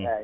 eeyi